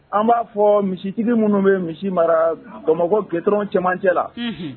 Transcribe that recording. An b'a fɔ misitigi minnu bɛ misi mara bamakɔmɔ kɛton cɛmancɛ la